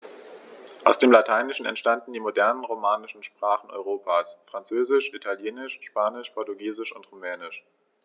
Aus dem Lateinischen entstanden die modernen „romanischen“ Sprachen Europas: Französisch, Italienisch, Spanisch, Portugiesisch und Rumänisch.